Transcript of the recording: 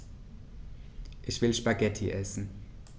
Ich will Spaghetti essen.